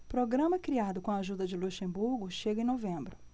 programa criado com a ajuda de luxemburgo chega em novembro